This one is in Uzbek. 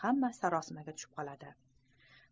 hamma sarosimaga tushib qoladi